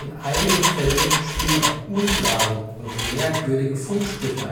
einigen Fällen spielen auch unklare und merkwürdige Funksprüche